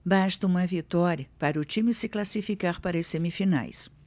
basta uma vitória para o time se classificar para as semifinais